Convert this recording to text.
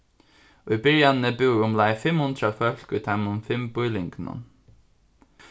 í byrjanini búðu umleið fimm hundrað fólk í teimum fimm býlingunum